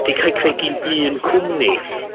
'di ca'l 'u creu gin un cwmni,